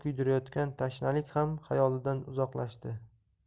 kuydirayotgan tashnalik ham xayolidan uzoqlashdi